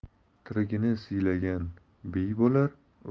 tirigini siylagan biy bo'lar